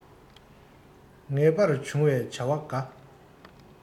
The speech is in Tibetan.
ངེས པར འབྱུང བའི བྱ བ འགའ